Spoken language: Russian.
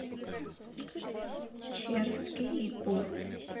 черский игорь